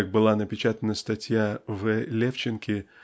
как была напечатана статья В. Левченки